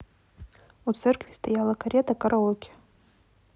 у церкви стояла карета караоке